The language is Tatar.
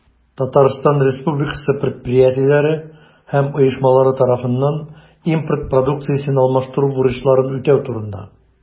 Татарстан Республикасы предприятиеләре һәм оешмалары тарафыннан импорт продукциясен алмаштыру бурычларын үтәү турында.